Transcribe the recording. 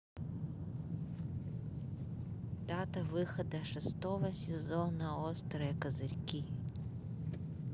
дата выхода шестого сезона острые козырьки